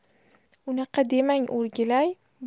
unaqa demang o'rgilay